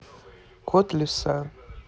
кот лиса